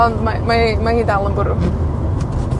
Ond mae, mae 'i, mae 'i dal yn bwrw.